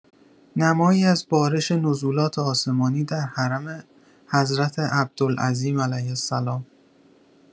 نمایی از بارش نزولات آسمانی در حرم حضرت عبدالعظیم (ع)